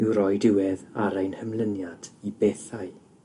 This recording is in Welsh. yw roi diwedd ar ein hymlyniad i bethau.